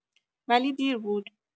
ولی دیر بود.